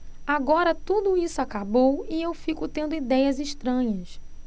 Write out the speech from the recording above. agora tudo isso acabou e eu fico tendo idéias estranhas